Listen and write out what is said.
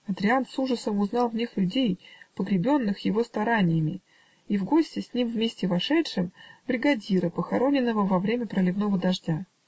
Адриян с ужасом узнал в них людей, погребенных его стараниями, и в госте, с ним вместе вошедшем, бригадира, похороненного во время проливного дождя.